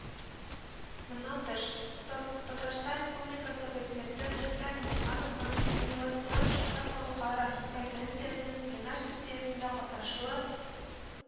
Моннан тыш, тат Татарстан Республикасы Президенты Рөстәм Миңнехановның Инновацион шәһәр халыкара конференциясенең пленар сессиясендә катнашуы